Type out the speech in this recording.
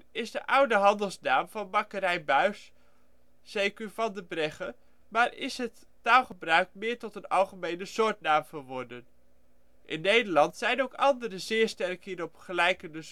is de oude handelsnaam van bakkerij Buys (c.q. Van de Breggen), maar is in het taalgebruik meer tot een algemene soortnaam verworden. In Nederland zijn ook andere zeer sterk hierop gelijkende